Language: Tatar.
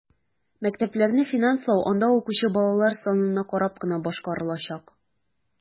Мәктәпләрне финанслау анда укучы балалар санына карап кына башкарылачак.